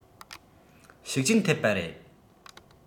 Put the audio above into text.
ཤུགས རྐྱེན ཐེབས པ རེད